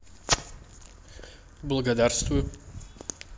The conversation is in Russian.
благодарствую